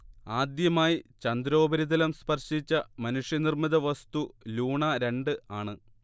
ആദ്യമായി ചന്ദ്രോപരിതലം സ്പർശിച്ച മനുഷ്യനിർമിത വസ്തു ലൂണ രണ്ട് ആണ്